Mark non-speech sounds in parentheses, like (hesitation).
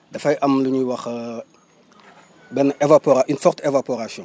dafay am lu ñuy wax (hesitation) benn évapora une forte évaporation